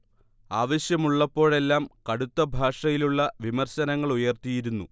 ആവശ്യമുള്ളപ്പോഴെല്ലാം കടുത്ത ഭാഷയിലുള്ള വിമർശനങ്ങളുയർത്തിയിരുന്നു